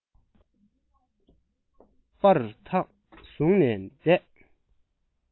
བར ཐག བཟུང ནས བསྡད